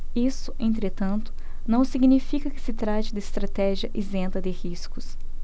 isso entretanto não significa que se trate de estratégia isenta de riscos